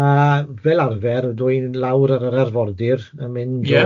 ...a fel arfer dwi'n lawr ar yr arfordir yn mynd... Ie.